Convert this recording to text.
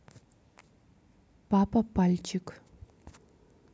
папа пальчик